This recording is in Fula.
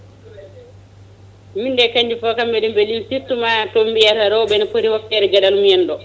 minde kañƴi fo kam eɗi beelimi surtout ma tooɓe mbiyata rewɓe ne pooti hokkede gueɗal mumen